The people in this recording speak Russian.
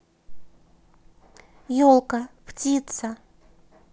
елка птица